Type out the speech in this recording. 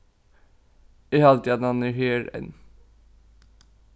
eg haldi at hann er her enn